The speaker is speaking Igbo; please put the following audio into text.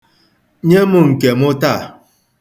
Nye m nke m taa.